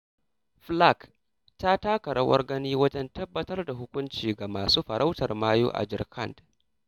FLAC ta taka rawar gani wajen tabbatar da hukunci ga masu farautar mayu a Jharkhand.